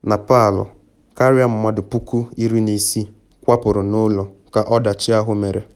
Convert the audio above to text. Na Palu, karịa ndị mmadụ 16,000 kwapụrụ n’ụlọ ka ọdachi ahụ mere.